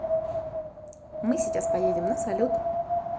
мы сейчас поедем на салют